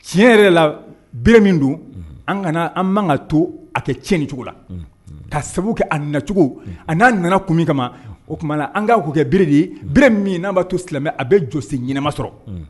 Tiɲɛ yɛrɛ la bere min don an kana an'an ka to a kɛ tiɲɛn ni cogo la ka sabu kɛ a nacogo a n'a nana kun min kama o tuma na an k'a'u kɛ bere de ye min n' b'a to silamɛ a bɛ jɔsi ɲɛnama sɔrɔ